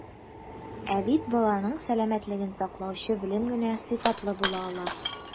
Ә бит баланың сәламәтлеген саклаучы белем генә сыйфатлы була ала.